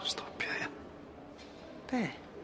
Jys stopia ia? Be'?